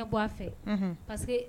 I kana fɛ parce que